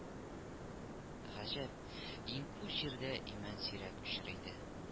Гаҗәп, иңкү җирдә имән сирәк очрый иде